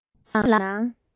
ཕ ཁྱིམ ལའང ནང